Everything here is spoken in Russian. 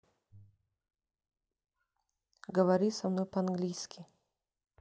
говори со мной по английски